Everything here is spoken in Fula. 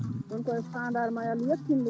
ko woni ko e fandare ma yo Allah yettin ɗum